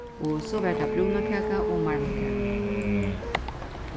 og so var tað brúnakaka og marmorkaka